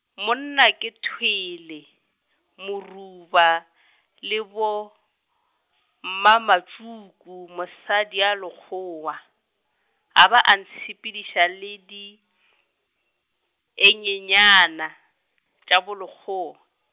monna ke thwele, moruba le boMamatšuku mosadi a Lekgowa, a ba ntshepediša le di engenyana tša boLekgowa.